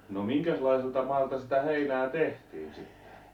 no minkäslaiselta maalta sitä heinää tehtiin sitten